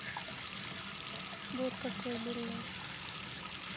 борька колыбельная